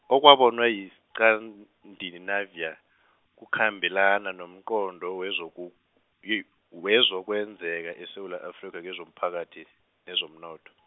okwabonwa yi- Scandinavia, kuhambelana nomqondo wezokuki- wezokwenzeka eSewula Afrika kwezomphakathi, nezomnotho.